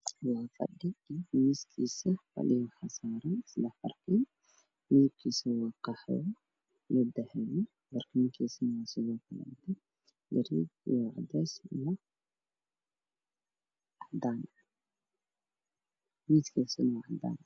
Waa fadhi iyo miiskiisa. Fadhiga waxaa saaran seddex barkin midabkiisu waa qaxwi iyo dahabi, barkimihiisana waa cadeys, garee iyo cadaan, miisku waa cadaan.